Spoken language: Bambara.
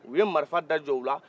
u ye marifada jɔ u la